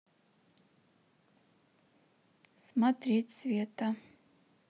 смотреть света